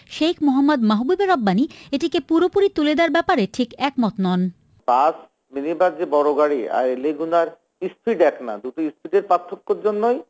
শেখ মোহাম্মদ মাহবুবুর রাব্বানী এদিকে পুরোপুরি তুলে দেওয়ার ব্যাপারে ঠিক একমত নন বাস মিনিবাস বড় গাড়ি আজ লেগুনার স্পিড এক না স্পিড এর পার্থক্য জন্যই